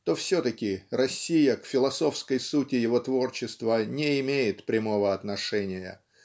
то все-таки Россия к философской сути его творчества не имеет прямого отношения